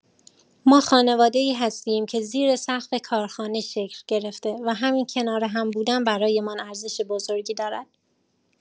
ما خانواده‌ای هستیم که زیر سقف کارخانه شکل گرفته و همین کنار هم بودن برایمان ارزش بزرگی دارد.